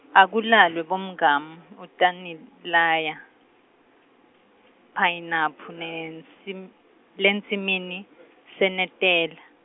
Akulalwe bomngamu, utanilaya, phayinaphu lensim-, lensimini, senetela.